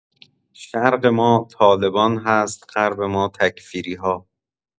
شرق ما طالبان هست غرب ما تکفیری‌ها